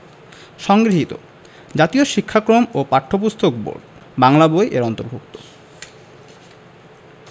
সংগৃহীত জাতীয় শিক্ষাক্রম ও পাঠ্যপুস্তক বোর্ড বাংলা বই এর অন্তর্ভুক্ত